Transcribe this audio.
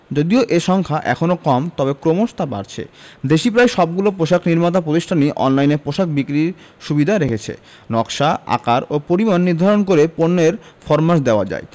যদিও এ সংখ্যা এখনো কম তবে ক্রমশ তা বাড়ছে দেশি প্রায় সবগুলো পোশাক নির্মাতা প্রতিষ্ঠানই অনলাইনে পোশাক বিক্রির সুবিধা রেখেছে নকশা আকার ও পরিমাণ নির্ধারণ করে পণ্যের ফরমাশ দেওয়া যায়